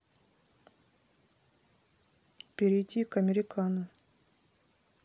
перейти к американо